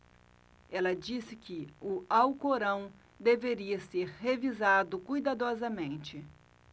ela disse que o alcorão deveria ser revisado cuidadosamente